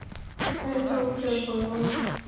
это уже было